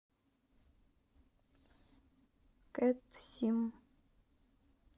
кэт сим